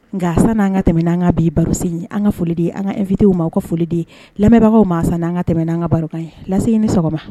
Nka san' an ka tɛmɛɛna an ka bi barosen an ka foliden an ka nfitw ma ka foliden lamɛnbagaw maa san n'an ka tɛm tɛmɛɛna' an ka barokan ye lase ye ni sɔgɔma